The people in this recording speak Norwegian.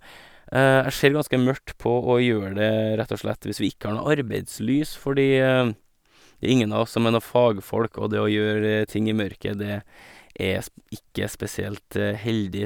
Jeg ser ganske mørkt på å gjøre det, rett og slett, hvis vi ikke har noe arbeidslys, fordi det er ingen av oss som er noe fagfolk, og det å gjøre ting i mørke, det er sp ikke spesielt heldig.